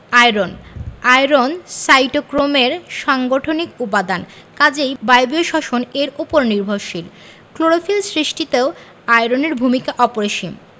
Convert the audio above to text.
iron iron সাইটোক্রোমের সাংগঠনিক উপাদান কাজেই বায়বীয় শ্বসন এর উপর নির্ভরশীল ক্লোরোফিল সৃষ্টিতেও আয়রনের ভূমিকা অপরিসীম